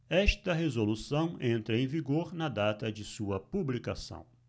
esta resolução entra em vigor na data de sua publicação